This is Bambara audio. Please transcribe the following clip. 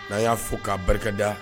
N'a y'a fɔ fo k'a barikada